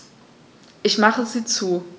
Ich mache sie zu.